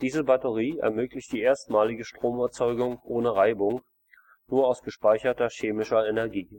Diese Batterie ermöglicht die erstmalige Stromerzeugung ohne Reibung, nur aus gespeicherter chemischer Energie